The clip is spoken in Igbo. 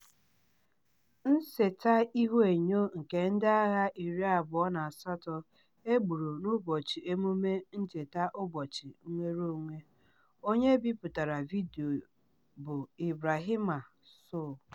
Nseta ihuenyo nke ndị agha 28 e gburu n'Ụbọchị Emume Ncheta Ụbọchị Nnwereonwe - Onye bipụtara vidiyo bụ Ibrahima Sow.